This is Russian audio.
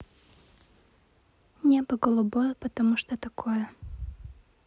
небо голубое потому что такое